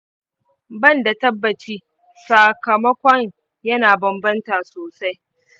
ban da tabbaci; sakamakon yana bambanta sosai.